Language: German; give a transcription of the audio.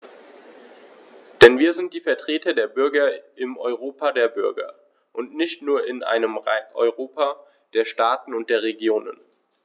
Denn wir sind die Vertreter der Bürger im Europa der Bürger und nicht nur in einem Europa der Staaten und der Regionen.